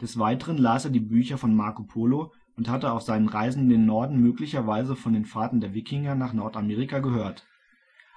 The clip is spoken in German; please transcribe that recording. Des Weiteren las er die Bücher von Marco Polo und hatte auf seinen Reisen in den Norden möglicherweise von den Fahrten der Wikinger nach Nordamerika gehört.